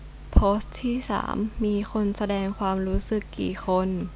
โพสต์ที่สามมีคนแสดงความรู้สึกกี่คน